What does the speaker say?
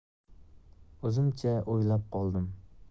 o'zimcha o'ylab qoldim